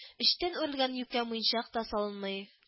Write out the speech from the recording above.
Өчтән үрелгән юкә муенчак та салынмый